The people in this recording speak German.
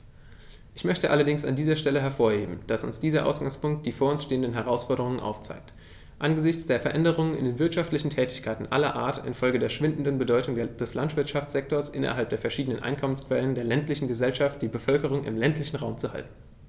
Ich möchte allerdings an dieser Stelle hervorheben, dass uns dieser Ausgangspunkt die vor uns stehenden Herausforderungen aufzeigt: angesichts der Veränderungen in den wirtschaftlichen Tätigkeiten aller Art infolge der schwindenden Bedeutung des Landwirtschaftssektors innerhalb der verschiedenen Einkommensquellen der ländlichen Gesellschaft die Bevölkerung im ländlichen Raum zu halten.